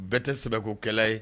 Bɛɛ te sɛbɛkokɛla ye